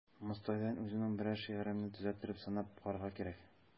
Мостайдан үземнең берәр шигыремне төзәттереп сынап карарга кирәк.